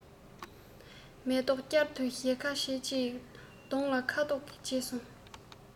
མེ ཏོག བསྐྱར དུ ཞལ ཁ ཕྱེ རྗེས སྡོང ལོའི ཁ དོག བརྗེས སོང